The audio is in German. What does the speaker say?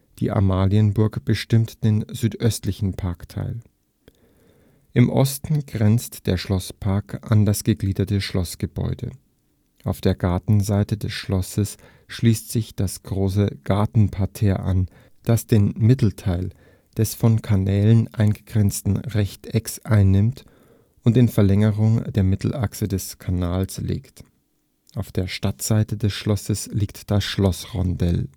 Die Amalienburg bestimmt den südöstlichen Parkteil. Im Osten grenzt der Schlosspark an das gegliederte Schlossgebäude. Auf der Gartenseite des Schlosses schließt sich das große Gartenparterre an, das den Mittelteil des von Kanälen eingegrenzten Rechtecks einnimmt und in Verlängerung der Mittelachse des Kanals liegt. Auf der Stadtseite des Schlosses liegt das Schlossrondell